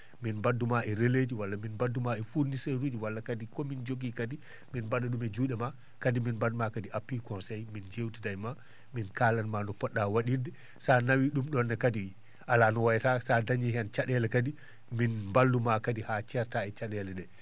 min mbaddu ma e relias ji walla min mbaddu ima e fournisseur uji walla kadi komin jogi kadi min mbaɗa ɗum e juuɗe maa kadi min mbaɗ ma kadi appui conseil min yewtida e ma min kaalanma no poɗɗa waɗirde so a nawii ɗum ɗonne kadi alaa no wayata so a dañii heen caɗeele kadi min mballu ma kadi haa ceertaa e caɗeele ɗe